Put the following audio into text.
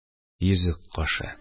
Йөзек кашы